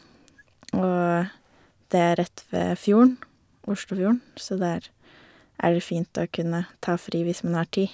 Og det er rett ved fjorden Oslofjorden, så der er det fint å kunne ta fri hvis man har tid.